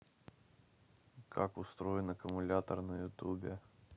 как устроен аккумулятор на ютюбе